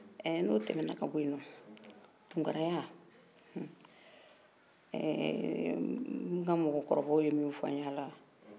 ni o tɛmɛna ka bɔ yen nɔ tunkaraya hun ɛɛ ɛɛ n ka mɔgɔkɔrɔbaw ye min fɔ n ye a la